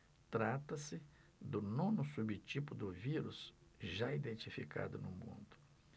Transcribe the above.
trata-se do nono subtipo do vírus já identificado no mundo